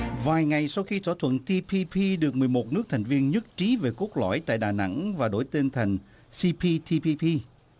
vài ngày sau khi thỏa thuận ti phi phi được mười một nước thành viên nhất trí về cốt lõi tại đà nẵng và đổi tên thành si phi ti phi hi